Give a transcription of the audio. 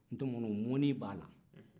ntɔmɔnɔn ŋɔni b'a la